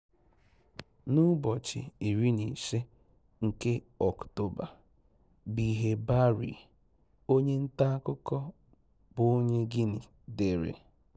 N'ụbọchị 15 nke Ọktoba, Bhiye Bary. onye ntaakụkọ bụ onye Guinea, dere: